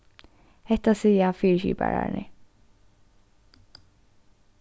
hetta siga siga fyriskipararnir